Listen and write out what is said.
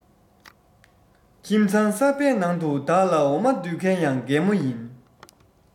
ཁྱིམ ཚང གསར བའི ནང དུ བདག ལ འོ མ ལྡུད མཁན ཡང རྒན མོ ཡིན